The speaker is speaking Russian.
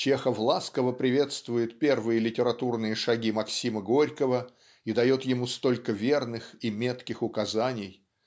Чехов ласково приветствует первые литературные шаги Максима Горького и дает ему столько верных и метких указаний.